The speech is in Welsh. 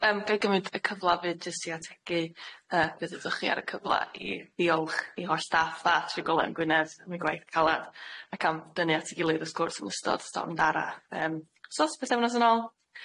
Yym ga'i gymryd y cyfla 'fyd jyst i ategu yy be' ddudwch chi ar y cyfla i i olch i holl staff a trugolion Gwynedd am i gwaith calad, ac am dynnu at 'i gilydd wrth gwrs 'n ystod storm dara yym sos bythefnos yn ôl.